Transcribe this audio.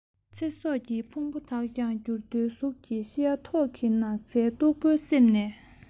ཚེ སྲོག གི ཕུང པོ དག ཀྱང འགྱུར རྡོའི གཟུགས ཀྱིས ཤི ཡ ཐོག གི ནགས ཚལ སྟུག པོའི གསེབ ནས